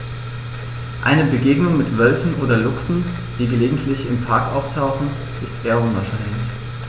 Eine Begegnung mit Wölfen oder Luchsen, die gelegentlich im Park auftauchen, ist eher unwahrscheinlich.